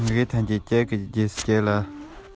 མགོ རྩོམ བའི སྔོན བརྡ གཏོང བཞིན འདུག